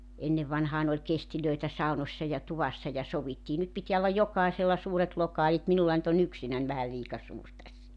ennen vanhaan oli kestejä saunoissa ja tuvassa ja sovittiin nyt pitää olla jokaisella suuret lokaalit minulla nyt on yksinäni vähän liika suuri tässä